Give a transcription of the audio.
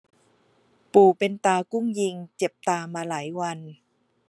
ปู่เป็นตากุ้งยิงเจ็บตามาหลายวัน